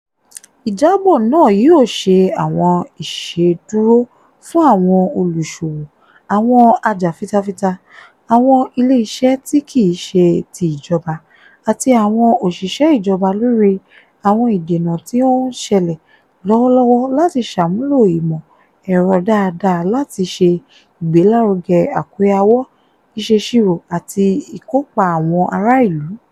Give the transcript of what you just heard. Ìjábọ̀ náà yóò ṣe àwọn ìṣèdúró fún àwọn olúsowó, àwọn ajàfitafita, àwọn Ilé Iṣẹ́ tí kìí se ti Ìjọba, àti àwọn òṣìṣẹ́ ìjọba lórí àwọn ìdènà tí ó ń ṣẹlẹ̀ lọ́wọ́lọ́wọ́ láti sàmúlò ìmọ̀ ẹ̀rọ dáadáa láti ṣe ìgbélárugẹ àkóyawọ́, ìṣèsirò àti ikópa àwọn ará ìlú.